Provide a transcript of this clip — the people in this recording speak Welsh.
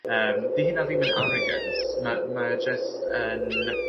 ...yym 'di hynna ddim yn arrogant ma'r mae o jyst yn